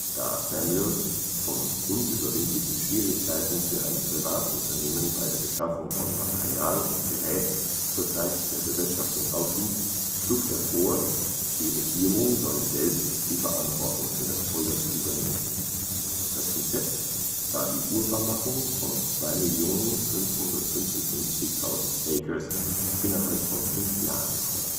Da Samuel von unüberwindlichen Schwierigkeiten für ein Privatunternehmen bei der Beschaffung von Material und Gerät zur Zeit der Bewirtschaftung ausging, schlug er vor, die Regierung solle selbst die Verantwortung für das Projekt übernehmen. Das Konzept sah die Urbarmachung von 2.555.000 Acres innerhalb von fünf Jahren vor